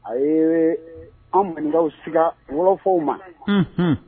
A ye an maninkaw sigi wɔfaw ma